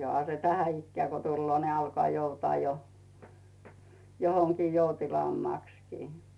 johan se tätä ikää kun tulee niin alkaa joutaa jo johonkin joutilaammaksikin